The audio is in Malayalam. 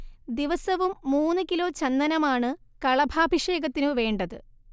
ദിവസവും മൂന്ന് കിലോ ചന്ദനമാണ് കളഭാഭിഷേകത്തിനു വേണ്ടത്